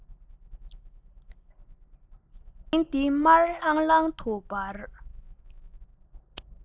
འཇིག རྟེན འདི དམར ལྷང ལྷང དུ འབར